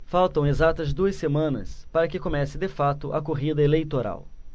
faltam exatas duas semanas para que comece de fato a corrida eleitoral